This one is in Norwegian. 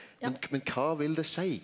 men men kva vil det seie?